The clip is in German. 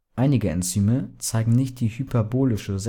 Einige Enzyme zeigen nicht die hyperbolische